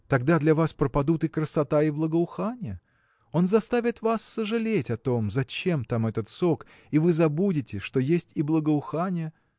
тогда для вас пропадут и красота, и благоухание. Он заставит вас сожалеть о том зачем там этот сок и вы забудете что есть и благоухание.